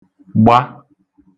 gba